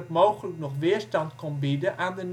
mogelijk nog weerstand kon bieden aan de